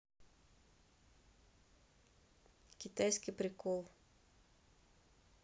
китайский прикол